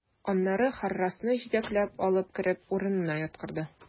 Аннары Харрасны җитәкләп алып кереп, урынына яткырды.